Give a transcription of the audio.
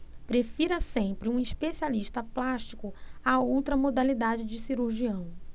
prefira sempre um especialista plástico a outra modalidade de cirurgião